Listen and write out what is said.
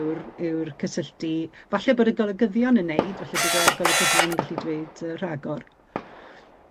yw'r yw'r cysylltu falle bod y golygyddion yn wneud, falle bydd y golygyddion yn gallu dweud yy rhagor.